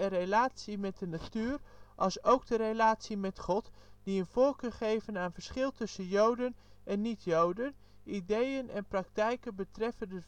relatie met de natuur, alsook de relatie met God, die een voorkeur geven aan " verschil " tussen joden en niet-joden; ideeën en praktijken betreffende